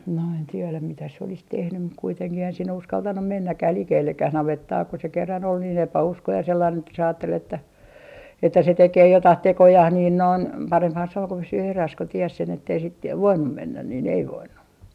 no en tiedä mitä se olisi tehnyt mutta kuitenkin eihän sinne uskaltanut mennäkään likellekään navettaa kun se kerran oli niin epäuskoinen ja sellainen että se ajatteli että että se tekee jotakin tekojaan niin noin parempihan se on kun pysyy erässä kun tiesi sen että ei sitten ja voinut mennä niin ei voinut